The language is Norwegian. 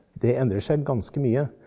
det endrer seg ganske mye.